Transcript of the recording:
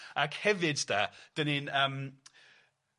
Ag hefyd 'de 'dan ni'n yym